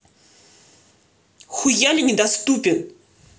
хуяли недоступен